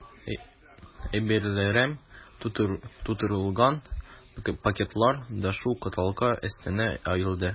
Әйберләрем тутырылган пакетлар да шул каталка өстенә өелде.